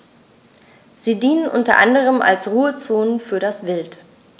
Sie dienen unter anderem als Ruhezonen für das Wild.